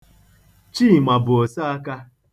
Chima bụ oseeka.